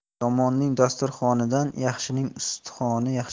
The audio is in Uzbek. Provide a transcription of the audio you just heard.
yomonning dasturxonidan yaxshining ustixoni yaxshi